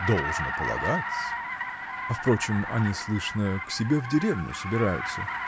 -- Должно полагать-с; а впрочем, они, слышно, к себе в деревню собираются.